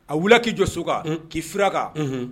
A wili k'i jɔso kan k'i siraka